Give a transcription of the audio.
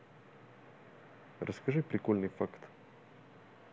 расскажи прикольный факт